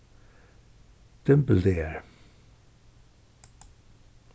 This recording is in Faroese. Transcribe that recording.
dymbildagar